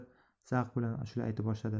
zavq bilan ashula ayta boshladi